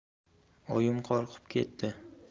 oyim qo'rqib ketdi